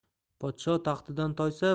podsho taxtidan toysa